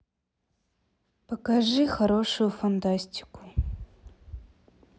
покажи хорошую фантастику